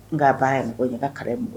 N' a ba yɛrɛ ɲamakalaka karamɔgɔ n bɔ